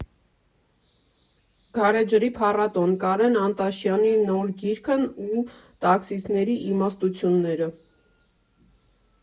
Գարեջրի փառատոն, Կարեն Անտաշյանի նոր գիրքն ու տաքսիստների իմաստնությունները։